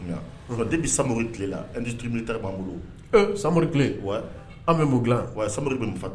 Bɛ sa tile la ta b'an bolo sari wa an bɛ mun dilan wa sari bɛ faga